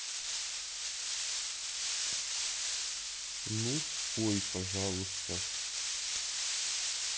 ну спой пожалуйста